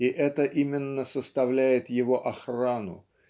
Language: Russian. и это именно составляет его охрану